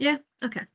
Ie ocê